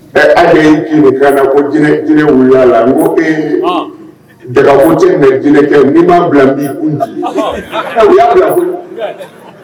An jkan la ko jinɛ jinɛ wuya la ko ee dagafo jinɛ kɛ n b'an bila bi nci'